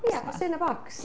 ia, be sy'n y bocs?